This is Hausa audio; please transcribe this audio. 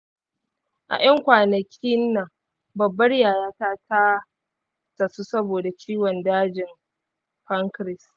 a ƴan-kwanakinan babbar yayata ta tasu saboda ciwo dajin pancreas